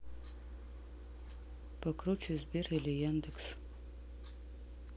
покруче сбер или яндекс